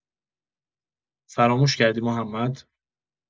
فراموش کردی محمد؟